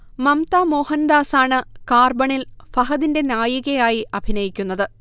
മംമ്ത മോഹൻദാസാണ് കാർബണിൽ ഫഹദിന്റെ നായികയായി അഭിനയിക്കുന്നത്